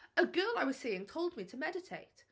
A girl I was seeing told me to meditate.